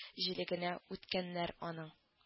Җелегенә үткәннәр аның